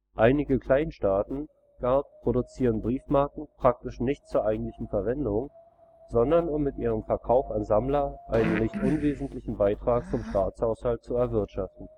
Einige Kleinststaaten gar produzieren Briefmarken praktisch nicht zur eigentlichen Verwendung, sondern um mit ihrem Verkauf an Sammler einen nicht unwesentlichen Beitrag zum Staatshaushalt zu erwirtschaften